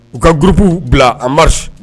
U ka groupes bila en marche